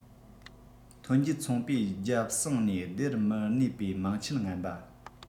ཐོན འབྱེད ཚོང པས རྒྱབ གསང ནས སྡེར མི གནས པའི མིང ཆད ངན པ